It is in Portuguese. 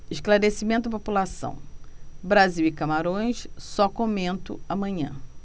esclarecimento à população brasil e camarões só comento amanhã